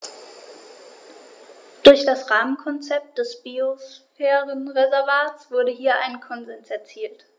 Durch das Rahmenkonzept des Biosphärenreservates wurde hier ein Konsens erzielt.